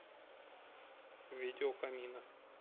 видео камина